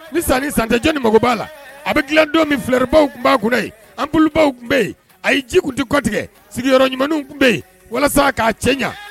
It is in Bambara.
Ni san ni santeceni mako b'a la a bɛ tiladon min filɛɛrɛbaw tun b'a kunna yen anpbaw tun bɛ yen a ye ji tun di kɔtigɛ sigiyɔrɔ ɲumanw tun bɛ yen walasa k'a cɛ ɲɛ